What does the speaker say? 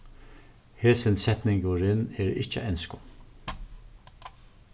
hesin setningurin er ikki á enskum